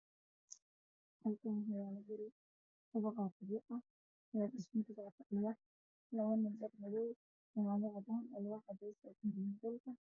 Waa guri qabya ah waxaa ka muuqda nin wato dhar madow ah